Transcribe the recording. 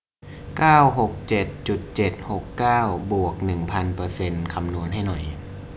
เก้าหกเจ็ดจุดเจ็ดหกเก้าบวกหนึ่งพันเปอร์เซ็นต์คำนวณให้หน่อย